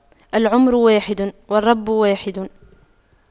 العمر واحد والرب واحد